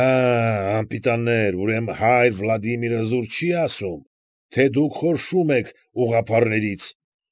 Աա՛, անպիտաններ, ուրեմն հայր Վլադիմիրը զուր չի ասում, թե դուք խորշում եք ուղղափառներից։